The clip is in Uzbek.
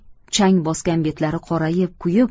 chang bosgan betlari qorayib kuyib